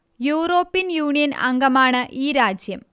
European Union അംഗമാണ് ഈ രാജ്യം